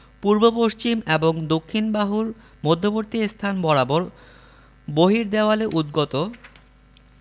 পূর্ব পশ্চিম এবং দক্ষিণ বাহুর মধ্যবর্তী স্থান বরাবর বহির্দেওয়ালে উদ্গত